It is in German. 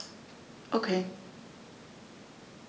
Okay.